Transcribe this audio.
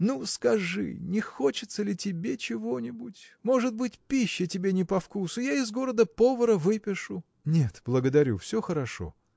Ну, скажи, не хочется ли тебе чего-нибудь? Может быть, пища тебе не по вкусу? Я из города повара выпишу. – Нет, благодарю: все хорошо.